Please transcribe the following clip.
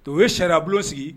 To ye sariyabu sigi